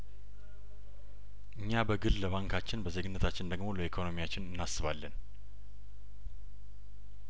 እኛ በግል ለባንካችን በዜግነታችን ደግሞ ለኢኮኖሚያችን እናስ ባለን